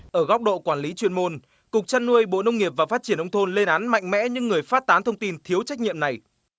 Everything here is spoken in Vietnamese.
ở góc độ quản lý chuyên môn cục chăn nuôi bộ nông nghiệp và phát triển nông thôn lên án mạnh mẽ nhưng người phát tán thông tin thiếu trách nhiệm này